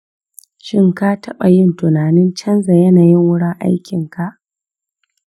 shin ka taɓa yin tunanin canza yanayin wurin aikinka?